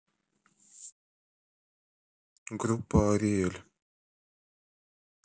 группа ариэль